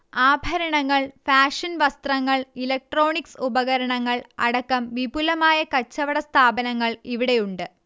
ആഭരണങ്ങൾ, ഫാഷൻ വസ്ത്രങ്ങൾ, ഇലക്ട്രോണിക്സ് ഉപകരണങ്ങൾ, അടക്കം വിപുലമായ കച്ചവട സ്ഥാപനങ്ങൾ ഇവിടെയുണ്ട്